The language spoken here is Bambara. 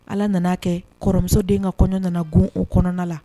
Ala nan'a kɛ kɔrɔmuso den ka kɔɲɔ nana gun o kɔnɔna la